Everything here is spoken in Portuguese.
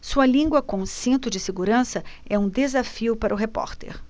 sua língua com cinto de segurança é um desafio para o repórter